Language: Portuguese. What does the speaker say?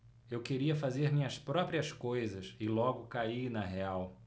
eu queria fazer minhas próprias coisas e logo caí na real